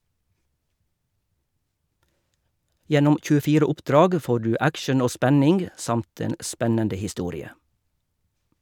Gjennom 24 oppdrag får du action og spenning samt en spennende historie.